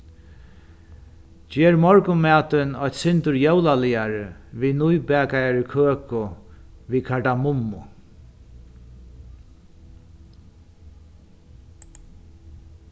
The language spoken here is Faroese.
ger morgunmatin eitt sindur jólaligari við nýbakaðari køku við kardamummu